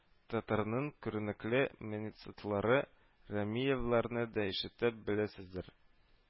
Татарның күренекле менецатлары Рәмиевларны да ишетеп беләсездер